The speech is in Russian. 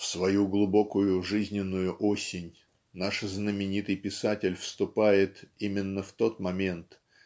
"В свою глубокую жизненную осень наш знаменитый писатель вступает именно в тот момент